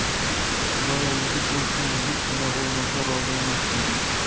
xudoyo yigit o'lsin yigitgina o'lmasa rozi emasman